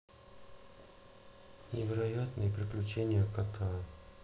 невероятные приключения кота